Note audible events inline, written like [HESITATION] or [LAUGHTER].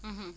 [HESITATION] [HESITATION]